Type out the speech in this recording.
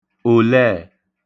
òlẹẹ̀